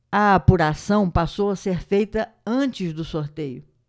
a apuração passou a ser feita antes do sorteio